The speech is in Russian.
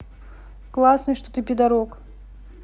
классный что ты пидорок